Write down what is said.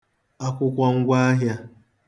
akwụkwọ ngwa ahịa